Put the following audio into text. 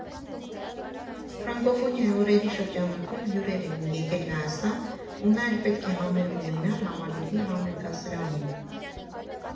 Ֆրանկոֆոնիայի օրերի շրջանակում հյուրեր էին եկել Հայաստան, ու նա էլ պետք է համերգ ունենար Համալիրի համերգասրահում։